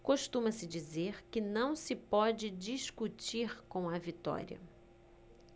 costuma-se dizer que não se pode discutir com a vitória